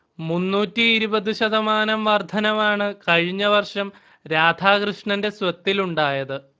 മുന്നൂറ്റി ഇരുപത് ശതമാനം വർദ്ധനവാണ് കഴിഞ്ഞ വർഷം രാധാകൃഷ്ണന്റെ സ്വത്തിലുണ്ടായത്